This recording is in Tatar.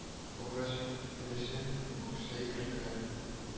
Калгач өлешен бакча итерләр